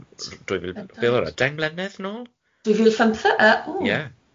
Be o'dd e deng mlynedd yn ol? Dwy fil a phymtheg yyy ww ie ie